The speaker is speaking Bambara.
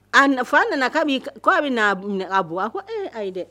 A na fa nana k'a b'i kɛ ko a bena a bu minɛ k'a bugɔ a ko ee ayi dɛ